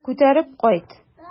Күтәреп кайт.